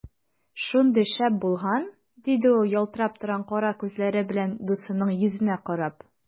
Шундый шәп булган! - диде ул ялтырап торган кара күзләре белән дусының йөзенә карап.